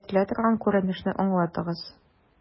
Күзәтелә торган күренешне аңлатыгыз.